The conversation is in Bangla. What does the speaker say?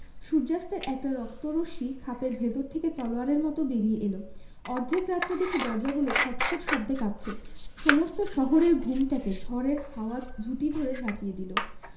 সূর্য্যাস্তের একটা রক্ত রশ্মি খাপের ভেতর থেকে তলোয়ারের মত বেরিয়ে এল অর্ধেক রাত্রে দেখি দরজাগুলো খটখট শব্দে কাঁপছে সমস্ত শহরের ঘুমটাকে ঝড়ের হাওয়া ঝুঁটি ধরে ঝাঁকিয়ে দিল